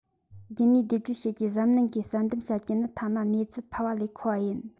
རྒྱུད གཉིས སྡེབ སྦྱོར བྱས རྗེས གཟབ ནན སྒོས བསལ འདེམས བྱ རྒྱུ ནི ཐ ན གནས ཚུལ ཕལ བ ལས མཁོ བ ཡིན